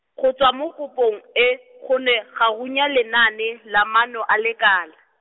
go tswa mo kopong e, go ne ga runya lenaane, la maano a lekala.